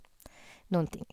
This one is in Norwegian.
Noen ting.